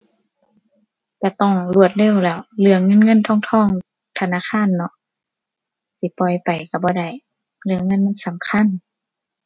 ก็ต้องรวดเร็วแหล้ว เรื่องเงินเงินทองทอง ธนาคารเนาะ สิปล่อยไปก็บ่ได้ เรื่องเงินมันสำคัญ